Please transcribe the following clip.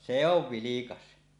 se on vilkas